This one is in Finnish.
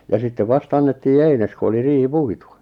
ja sitten vasta annettiin eines kun oli riihi puitu